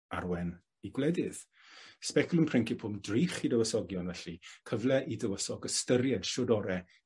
arwen 'u gwledydd. speculum principum drych i dywysogion felly, cyfle i dywysog ystyried shwd ore